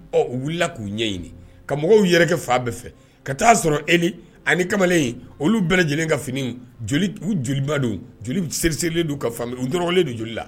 Ɔ u wulila k'u ɲɛɲini ka mɔgɔw yɛrɛkɛ fan bɛ fɛ ka taa sɔrɔ Eni ani kamalen in olu bɛɛ lajɛlen ka fini jeli d u jelima don jeli m seriserilen don ka fan u nɔrɔgɔlen don jeli la